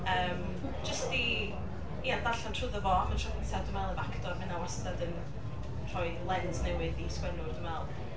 Yym jyst i, ia, darllen trwyddo fo am y tro cynta dw i'n meddwl efo actor, ma' hynna wastad yn rhoi lens newydd i sgwennwr dwi'n meddwl.